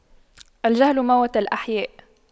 الجهل موت الأحياء